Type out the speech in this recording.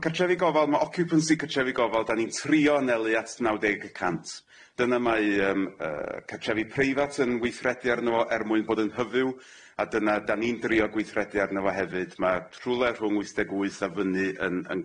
Cartrefi gofal ma' occupancy cartrefi gofal da ni'n trio anelu at naw deg y cant dyna mae yym yy cartrefi preifat yn weithredu arno fo er mwyn bod yn hyfyw a dyna da ni'n drio gweithredu arno fo hefyd ma' trwle rhwng wyth deg wyth a fyny yn yn